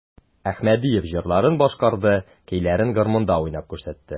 Әхмәдиев җырларын башкарды, көйләрен гармунда уйнап күрсәтте.